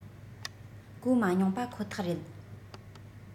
གོ མ མྱོང པ ཁོ ཐག རེད